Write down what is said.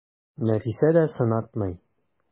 Нәфисә дә сынатмый.